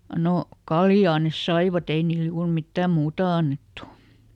no kaljaa ne saivat ei niille juuri mitään muuta annettu